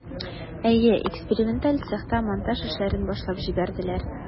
Әйе, эксперименталь цехта монтаж эшләрен башлап җибәрделәр.